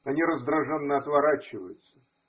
– они раздраженно отворачиваются.